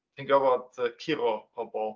Ti'n gorfod curo pobl.